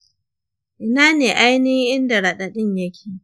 ina ne ainihin inda raɗaɗin ya ke